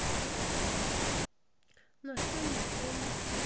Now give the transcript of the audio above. настольный теннис